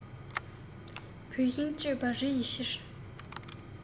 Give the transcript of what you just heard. བུར ཤིང གཅོད པ རི ཡི ཕྱིར